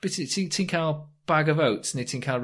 be' ti ti'n ti'n ca'l bag of oats ne' ti'n ca'l...